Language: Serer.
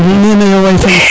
nene yo waay faye